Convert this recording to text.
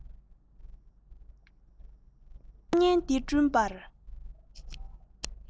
སྣང བརྙན འདི བསྐྲུན པར